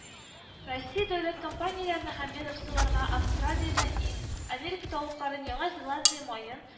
Россия дәүләт компанияләренә һәм ведомстволарга Австралиядән ит, Америка тавыкларын, Яңа Зеландия маен